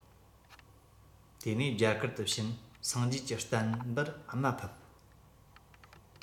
དེ ནས རྒྱ གར དུ ཕྱིན སངས རྒྱས ཀྱི བསྟན པར དམའ ཕབ